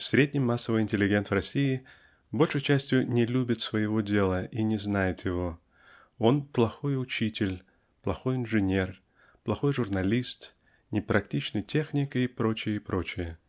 средний массовый интеллигент в России большею частью не любит своего дела и не знает его. Он -- плохой учитель плохой инженер плохой журналист непрактичный техник и проч. , и проч.